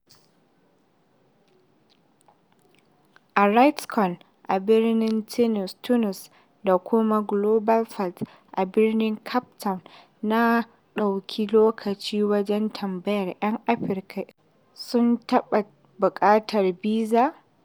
A RightsCon a birnin Tunis da kuma GlobalFact a birnin Cape Town, na ɗauki lokaci wajen tambayar 'yan Afirka in sun taɓa buƙatar biza.